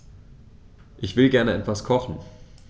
Ich will gerne etwas kochen.